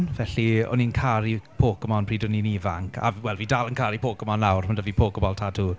Felly o'n i'n caru Pokemon pryd o'n i'n ifanc. A wel fi dal yn caru Pokemon nawr, ma' 'da fi Poké Ball tattoo.